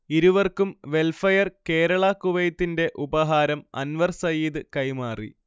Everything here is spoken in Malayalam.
ഇരുവർക്കും വെൽഫെയർ കേരള കുവൈത്തിന്റെ ഉപഹാരം അൻവർ സയീദ് കൈമാറി